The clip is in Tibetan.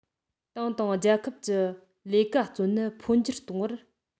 ཏང དང རྒྱལ ཁབ ཀྱི ལས ཀ གཙོ གནད འཕོ འགྱུར གཏོང བར